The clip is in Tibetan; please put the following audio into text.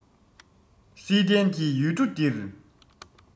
བསིལ ལྡན གྱི ཡུལ གྲུ འདིར